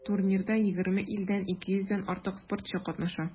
Турнирда 20 илдән 200 дән артык спортчы катнаша.